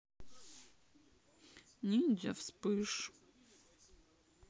ниндзя вспыш